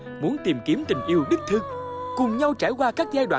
muốn tìm kiếm tình yêu đích thực cùng nhau trải qua các giai đoạn